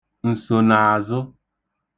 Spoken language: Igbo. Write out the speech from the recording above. ǹsònààzụ